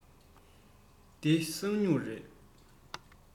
འདི ས སྨྱུག རེད